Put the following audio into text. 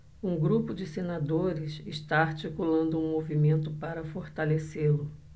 um grupo de senadores está articulando um movimento para fortalecê-lo